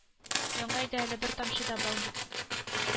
Яң өйдә эле бер тамчы да бал юк